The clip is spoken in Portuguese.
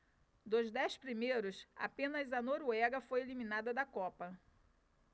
dos dez primeiros apenas a noruega foi eliminada da copa